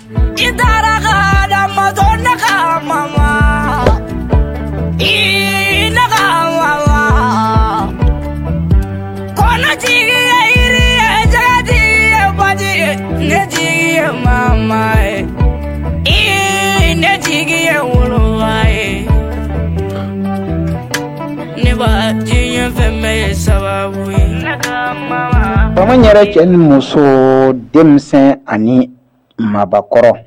Nci taarakala ma ne ma i wa wa kotigi ye yiri ye jatigitigi ye batigi netigi mamama ye i netigi ye wolo ye ne bajɛ ye fɛn ye saba ye mama bamanan yɛrɛ cɛ ni muso denmisɛnw ani makɔrɔ